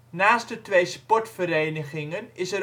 Naast de twee sportverenigingen is